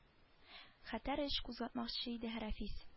Хәтәр эш кузгатмакчы иде рәфис